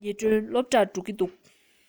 ཉི སྒྲོན སློབ གྲྭར འགྲོ གི འདུག